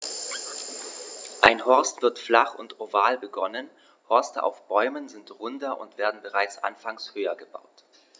Ein Horst wird flach und oval begonnen, Horste auf Bäumen sind runder und werden bereits anfangs höher gebaut.